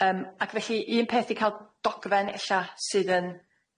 Yym, ac felly un peth 'di ca'l dogfen ella sydd yn